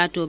waaw